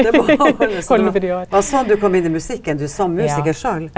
det må halda var sånn du kom inn i musikken du, som musikar sjølv?